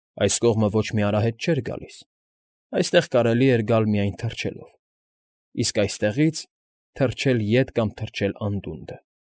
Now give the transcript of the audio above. Այս կողմը ոչ մի արահետ չէր գալիս, այստեղ կարելի էր գալ միայն թռչելով, իսկ այստեղից՝ թռչել ետ կամ թռչել անդունդը։